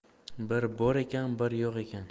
bir bor ekan bir yo'q ekan